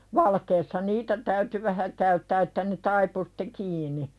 valkeassa niitä täytyi vähän käyttää että ne taipui sitten kiinni